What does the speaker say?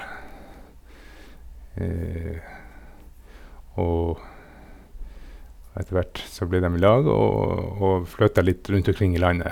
og Og etter hvert så ble dem i lag og og flytta litt rundt omkring i landet.